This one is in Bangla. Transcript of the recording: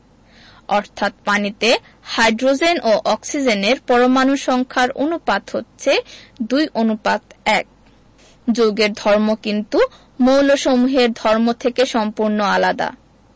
অর্থাৎ পানিতে হাইড্রোজেন ও অক্সিজেনের পরমাণুর সংখ্যার অনুপাত হচ্ছে ২: ১ যৌগের ধর্ম কিন্তু মৌলসমূহের ধর্ম থেকে সম্পূর্ণ আলাদা